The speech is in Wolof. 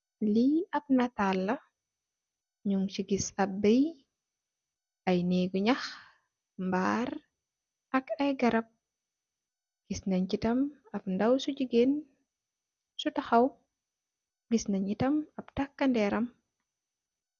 Li ap nital la ñing ci gis ap bèy ay nehgi ñax mbarr ak ay garap. Gis nen ci yitam ap ndaw ci gigeen su taxaw gis nen ci yitam taka ndeeram.